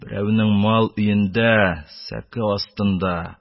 Берәүнең мал өендә, сәке астында,